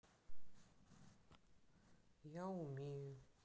я умею